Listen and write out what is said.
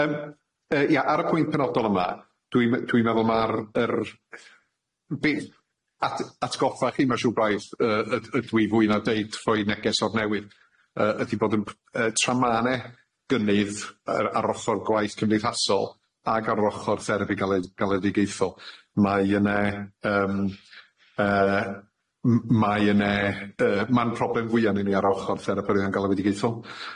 Yym yy ia, ar y pwynt penodol yma dwi'n me- dwi'n meddwl ma'r yr b- at atgoffa chi ma' siŵr braidd yy yd- ydw i fwy na deud rhoi neges o'r newydd, yy ydi bod yn p- yy tra ma'n e gynnydd yr ar ochor gwaith cymdeithasol ag ar ochor therapi galed- galedigaethol mae yn e yym yy m- mae yn e yy ma'n problem fwya'n i ni ar ochor therapi angalwedigaethol.